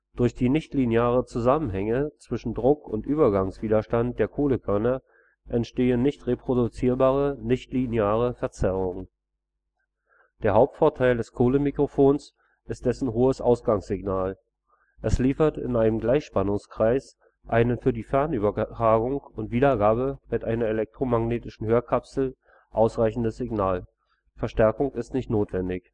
Durch die nichtlinearen Zusammenhänge zwischen Druck und Übergangswiderstand der Kohlekörner entstehen nicht reproduzierbare, nichtlineare Verzerrungen. Der Hauptvorteil des Kohlemikrofones ist dessen hohes Ausgangssignal – es liefert in einem Gleichspannungskreis einen für die Fernübertragung und Wiedergabe mit einer elektromagnetischen Hörkapsel ausreichendes Signal. Verstärkung ist nicht notwendig